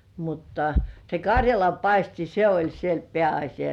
mutta se karjalanpaisti se oli siellä pääasia